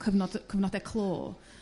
cyfnod yrr cyfnode clô